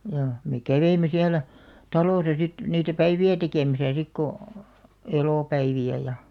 jaa me kävimme siellä talossa sitten niitä päiviä tekemässä sitten kun elopäiviä ja